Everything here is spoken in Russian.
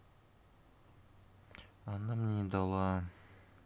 она мне не дала